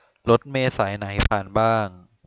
รถเมล์สายไหนผ่านบ้าง